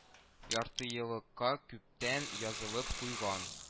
Яртыеллыкка күптән язылып куйган